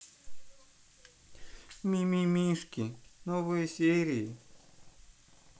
мимимишки новые серии